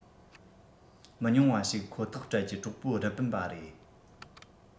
མི ཉུང བ ཞིག ཁོ ཐག སྤྲད ཀྱི གྲོགས པོ རི པིན པ རེད